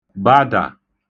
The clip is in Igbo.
badà